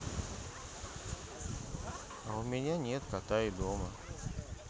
а у меня нет кота и дома